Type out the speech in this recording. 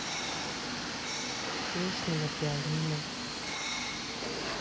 песни на пианино